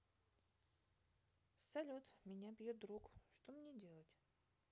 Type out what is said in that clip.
салют меня бьет друг что мне делать